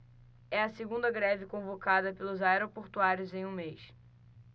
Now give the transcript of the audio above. é a segunda greve convocada pelos aeroportuários em um mês